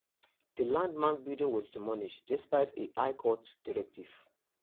The landmark building was demolished despite a High Court Directive